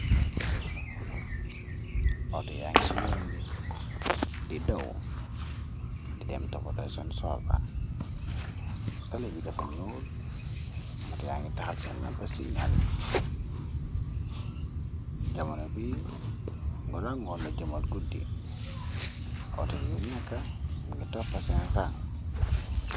Auto yaani ci yoon bi di daw di dem taboto seen sorfa tali bi dafa ñool moto ya ngi taxal seen nampa signal yi jamonol bi ngo rangool la jamal guddi outal yu nekka bi nga toppa seen rang.